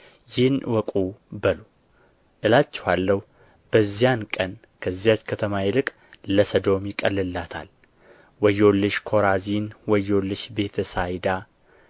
ይህን እወቁ በሉ እላችኋለሁ በዚያን ቀን ከዚያች ከተማ ይልቅ ለሰዶም ይቀልላታል ወዮልሽ ኮራዚን ወዮልሽ ቤተ ሳይዳ